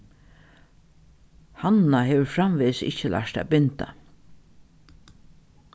hanna hevur framvegis ikki lært at binda